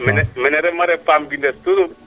mene refna ref paam mbines toujours